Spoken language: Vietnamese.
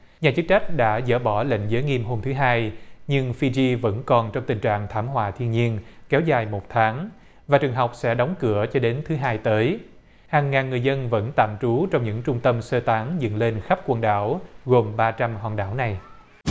nhà chức trách đã dỡ bỏ lệnh giới nghiêm hôm thứ hai nhưng phi gi vẫn còn trong tình trạng thảm họa thiên nhiên kéo dài một tháng và trường học sẽ đóng cửa cho đến thứ hai tới hàng ngàn người dân vẫn tạm trú trong những trung tâm sơ tán dựng lên khắp quần đảo gồm ba trăm hòn đảo này